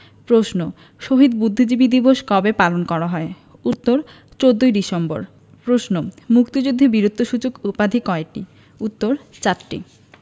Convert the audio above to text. প্রশ্ন শহীদ বুদ্ধিজীবী দিবস কবে পালন করা হয় উত্তর ১৪ ডিসেম্বর প্রশ্ন মুক্তিযুদ্ধে বীরত্বসূচক উপাধি কয়টি উত্তর চারটি